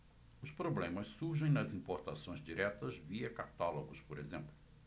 os problemas surgem nas importações diretas via catálogos por exemplo